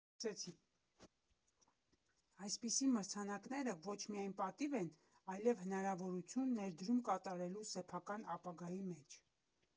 Այսպիսի մրցանակները ոչ միայն պատիվ են, այլև հնարավորություն ներդրում կատարելու սեփական ապագայի մեջ։